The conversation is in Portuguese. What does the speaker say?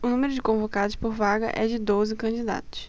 o número de convocados por vaga é de doze candidatos